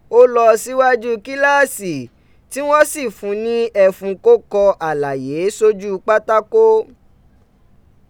O lọ siwaju kilasi ti wọn si fun ni ẹfun ko kọ alaye soju patako.